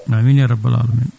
amine ya rabbal alamina